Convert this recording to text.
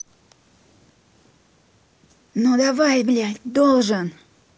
ну давай блядь должен